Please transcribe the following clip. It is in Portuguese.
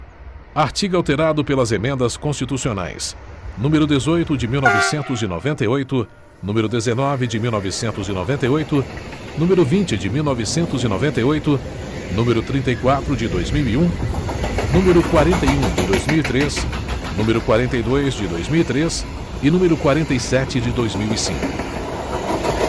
artigo alterado pelas emendas constitucionais número dezoito de mil novecentos e noventa e oito número dezenove de mil e novecentos e noventa e oito número vinte de mil novecentos e noventa e oito número trinta e quatro de dois mil e um número quarenta e um de dois mil e três número quarenta e dois de dois mil e três e número quarenta e sete de dois mil e cinco